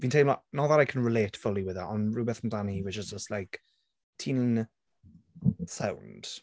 Fi'n teimlo not that I can relate fully with her ond rhywbeth amdani hi which is just like "ti'n sound".